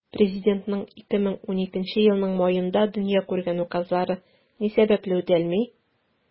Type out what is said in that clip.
Президентның 2012 елның маенда дөнья күргән указлары ни сәбәпле үтәлми?